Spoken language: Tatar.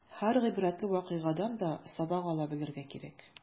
Һәр гыйбрәтле вакыйгадан да сабак ала белергә кирәк.